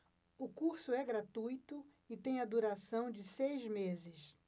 o curso é gratuito e tem a duração de seis meses